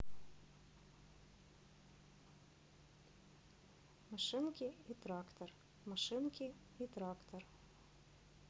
машинки и трактор машинки и трактор